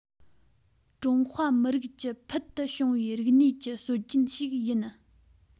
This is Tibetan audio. ཀྲུང ཧྭ མི རིགས ཀྱི ཕུལ དུ བྱུང བའི རིག གནས ཀྱི སྲོལ རྒྱུན ཞིག ཡིན